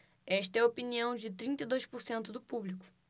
esta é a opinião de trinta e dois por cento do público